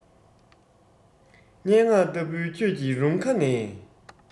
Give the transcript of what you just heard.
སྙན ངག ལྟ བུའི ཁྱོད ཀྱི རུམ ཁ ནས